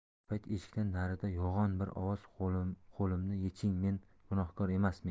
shu payt eshikdan narida yo'g'on bir ovoz qo'limni yeching men gunohkor emasmen